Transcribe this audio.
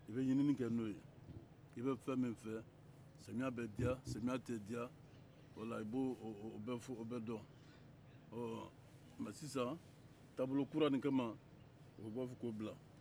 u bɛ ɲininni kɛ n'o ye i bɛ fɛn min fɛ samiya bɛ diya samiya tɛ diya voila i b'o bɛɛ dɔn ɔɔ mɛ sisan taabolo kura nin kama u b'a fɛ k'o bila